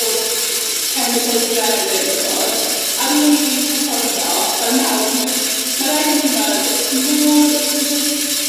o'r c- c- c- chemicals adrenaline t'mod? Ar ôl i fi perfformio, fel nawr fi jyst, ma'r egni 'ma jyst mor, fi jyst